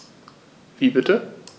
Wie bitte?